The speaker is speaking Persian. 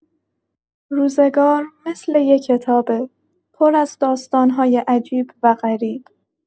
روزگار مثل یه کتابه، پر از داستان‌های عجیب و غریب.